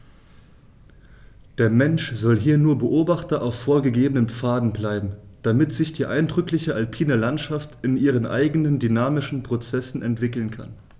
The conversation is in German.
Der Mensch soll hier nur Beobachter auf vorgegebenen Pfaden bleiben, damit sich die eindrückliche alpine Landschaft in ihren eigenen dynamischen Prozessen entwickeln kann.